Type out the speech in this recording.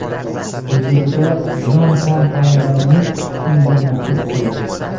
vujudida jon pon qolmaganini shundagina xis qildi